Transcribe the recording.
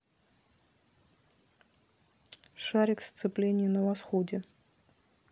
шарик сцепление на восходе